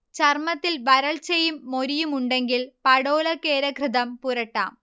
ചർമത്തിൽ വരൾച്ചയും മൊരിയും ഉണ്ടെങ്കിൽ പടോലകേരഘൃതം പുരട്ടാം